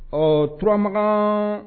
Ɔ turamaga